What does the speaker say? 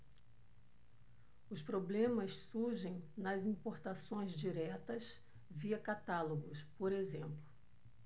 os problemas surgem nas importações diretas via catálogos por exemplo